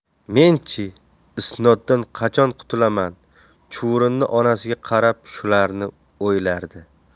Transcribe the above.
men chi isnoddan qachon qutulaman chuvrindi onasiga qarab shularni o'ylardi